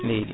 leydi